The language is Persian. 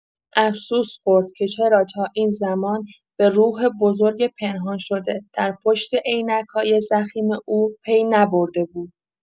افسوس خورد که چرا تا این زمان به روح بزرگ پنهان‌شده در پشت عینک‌های ضخیم او پی نبرده بود.